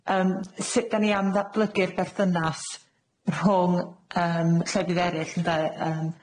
Yym, sud 'dan ni am ddatblygu'r berthynas rhwng yym llefydd erill, ynde? Yym.